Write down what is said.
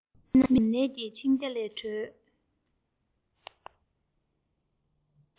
མི རྣམས ནད ཀྱི འཆིང རྒྱ ལས འགྲོལ